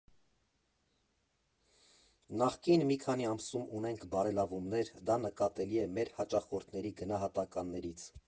֊ Նախկին մի քանի ամսում ունենք բարելավումներ, դա նկատելի է մեր հաճախորդների գնահատականներից։